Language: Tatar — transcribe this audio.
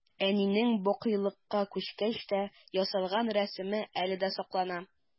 Әнинең бакыйлыкка күчкәч тә ясалган рәсеме әле дә саклана.